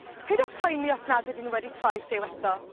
peidiwch poeni os nad ydyn n'w wedi troi lliw eto.